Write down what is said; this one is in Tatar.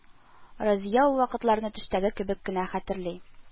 Разия ул вакытларны төштәге кебек кенә хәтерли